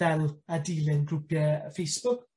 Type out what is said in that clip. fel yy dilyn grwpie yy Facebook.